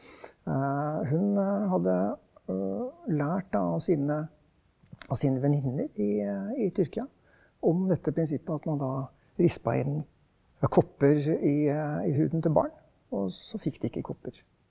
hun hadde lært av sine av sine venninner i i Tyrkia om dette prinsippet at man da rispa inn kopper i i huden til barn også fikk de ikke kopper.